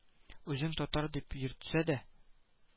Үзен татар дип йөртсә дә